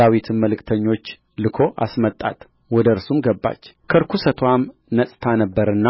ዳዊትም መልእክተኞች ልኮ አስመጣት ወደ እርሱም ገባች ከርኵሰትዋም ነጽታ ነበርና